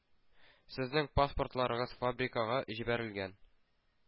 Сезнең паспортларыгыз фабрикага җибәрелгән.